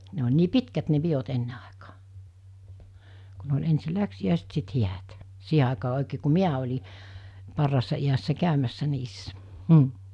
ne oli niin pitkät ne pidot ennen aikaan kun ne oli ensin läksiäiset sitten häät siihen aikaan oikein kun minä olin parhaassa iässä käymässä niissä mm